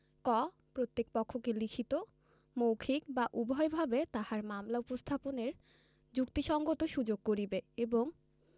ক প্রত্যেক পক্ষকে লিখিত মৌখিক বা উভয়ভাবে তাহার মামলা উপস্থাপনের যুক্তিসংগত সুযোগ করিবে এবং